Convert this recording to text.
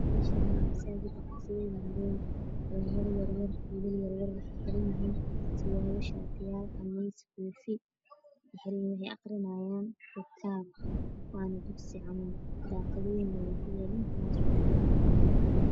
Meshan waxa iskugu imaday wilal yaryar waxayna xiran yahin Qamis kofiyal aqrinayan kitab